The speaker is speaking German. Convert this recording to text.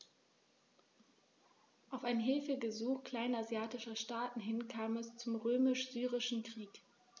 Auf ein Hilfegesuch kleinasiatischer Staaten hin kam es zum Römisch-Syrischen Krieg.